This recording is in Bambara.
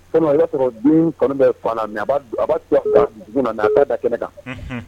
I y'a sɔrɔ kɔnɔ bɛ fa a to dugu naa da kɛnɛ kan